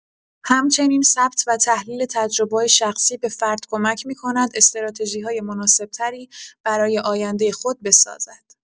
همچنین ثبت و تحلیل تجربه‌های شخصی به فرد کمک می‌کند استراتژی‌های مناسب‌تری برای آینده خود بسازد.